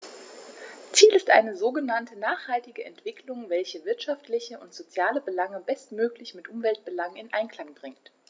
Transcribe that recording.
Ziel ist eine sogenannte nachhaltige Entwicklung, welche wirtschaftliche und soziale Belange bestmöglich mit Umweltbelangen in Einklang bringt.